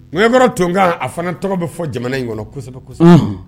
Ŋɛɲɛkɔrɔ tonkan, a fana tɔgɔ bɛ fɔ jamana in kɔnɔ kosɛbɛ kɔsɛbɛ. Ɔnhɔn.